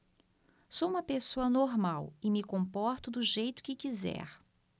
sou homossexual e me comporto do jeito que quiser